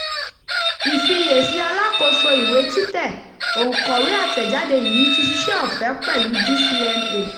Ìfiyèsí Alákòóso Ìwé Títẹ̀: Òǹkọ̀wé àtẹ́jádé yìí ti ṣiṣẹ́ ọ̀fẹ́ pẹ̀lú DCMA.